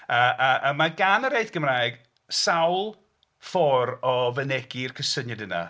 A... a... mae gan yr iaith Gymraeg sawl ffordd o fynegi'r cysyniad yna.